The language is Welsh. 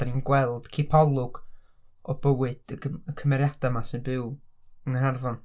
Dan ni'n gweld cipolwg o bywyd y cym- cymeriadau 'ma sy'n byw yng Nghaernarfon.